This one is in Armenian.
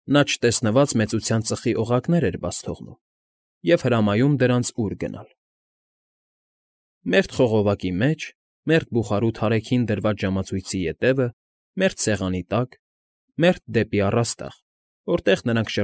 Նա չտեսնված մեծության ծխի օղակներ էր բաց թողնում և հրամայում դրանց՝ ուր գնալ. մերթ խողովակի մեջ, մերթ բուխարու թարեքին դրված ժամացույցի ետևը, մերթ սեղանի տակ, մերթ դեպի առաստաղ, որտեղ նրանք։